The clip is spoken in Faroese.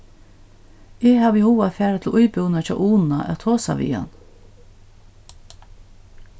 eg havi hug at fara til íbúðina hjá una at tosa við hann